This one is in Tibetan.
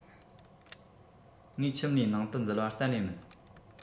ངའི ཁྱིམ ནས ནང དུ འཛུལ བ གཏན ནས མིན